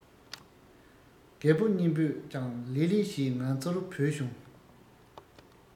རྒད པོ གཉིས པོས ཀྱང ལི ལི ཞེས ང ཚོར བོས བྱུང